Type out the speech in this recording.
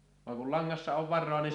vaan kun langassa on varaa niin sitä